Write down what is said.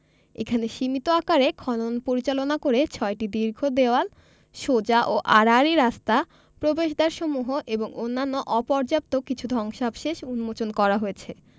এখানে সীমিত আকারে খনন পরিচালনা করে ছয়টি দীর্ঘ দেওয়াল সোজা ও আড়াআড়ি রাস্তা প্রবেশদ্বারসমূহ এবং অন্যান্য অপর্যাপ্ত কিছু ধ্বংসাবশেষ উন্মোচন করা হয়েছে